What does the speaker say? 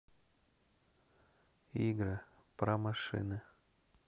игры про машины